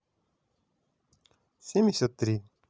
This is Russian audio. семьдесят три